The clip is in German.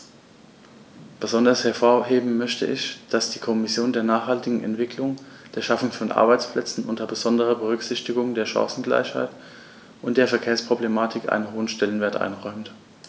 Besonders hervorheben möchte ich, dass die Kommission der nachhaltigen Entwicklung, der Schaffung von Arbeitsplätzen unter besonderer Berücksichtigung der Chancengleichheit und der Verkehrsproblematik einen hohen Stellenwert einräumt.